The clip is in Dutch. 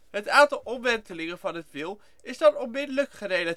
het aantal omwentelingen van het wiel en